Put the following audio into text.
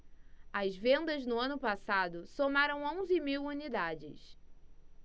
as vendas no ano passado somaram onze mil unidades